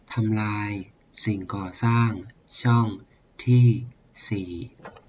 ทำลายสิ่งก่อสร้างช่องที่สี่